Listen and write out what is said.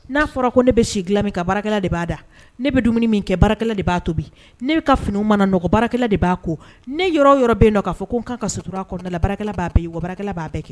N'a fɔra ko ne bɛ si dilan min kan baarakɛlan de b'a da, ne bɛ dumuni min kɛ baarakɛlan de b'a tobi, ne bɛ ka finiw ma na nɔgɔ barakɛla de b'a ko, ne yɔrɔ o yɔrɔ bɛ yen nɔ k'a fɔ ko n kan ka sutura a kɔnɔna baarakɛlan b'a bɛɛ ye wa baarakɛlan b'a bɛɛ kɛ.